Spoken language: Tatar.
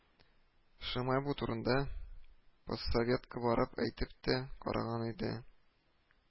Шимай бу турыда поссоветка барып әйтеп тә караган иде